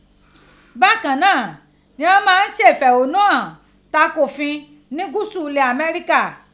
Bakan naa ni ghan ma n ṣe ifẹhọnuhan tako ofin ni Guusu ilẹ̀ Amẹrika.